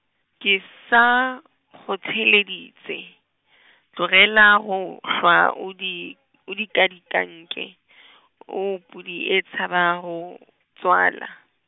ke sa, go theeleditše , tlogela go hlwa o di, o dikadika nke , o pudi e tšhaba go tswala.